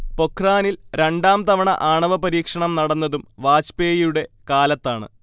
പൊഖ്റാനിൽ രണ്ടാംതവണ ആണവ പരീക്ഷണം നടന്നതും വാജ്പേയിയുടെ കാലത്താണ്